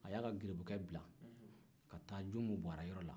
a y'a ka garibukɛ bila ka ta junmu buwarɛ yɔrɔ la